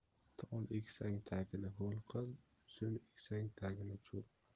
tol eksang tagini ho'l qil uzum eksang tagini cho'l qil